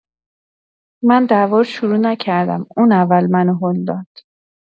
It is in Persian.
من دعوا رو شروع نکردم، اون اول منو هل داد.